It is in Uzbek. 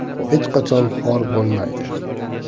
hech qachon xor bo'lmaydi